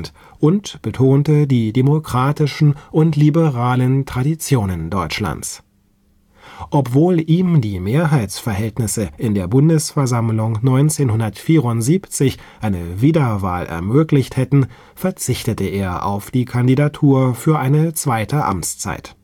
betonte die demokratischen und liberalen Traditionen Deutschlands. Obwohl ihm die Mehrheitsverhältnisse in der Bundesversammlung 1974 eine Wiederwahl ermöglicht hätten, verzichtete er auf die Kandidatur für eine zweite Amtszeit